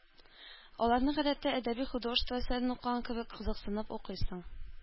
Аларны, гадәттә, әдәби-художество әсәрен укыган кебек кызыксынып укыйсың.